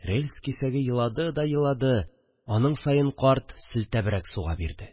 Рельс кисәге елады да елады, аның саен карт селтәбрәк суга бирде